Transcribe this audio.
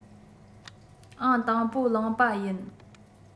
ཨང དང པོ བླངས པ ཡིན